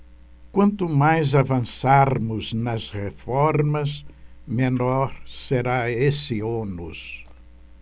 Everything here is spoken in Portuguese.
quanto mais avançarmos nas reformas menor será esse ônus